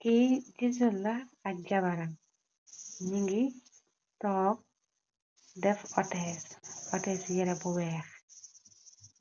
ki Jizzle la ak jabaram, ñu ngi toog def outes, otes yere bu weex.